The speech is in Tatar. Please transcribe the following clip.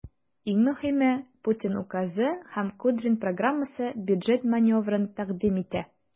Иң мөһиме, Путин указы һәм Кудрин программасы бюджет маневрын тәкъдим итә.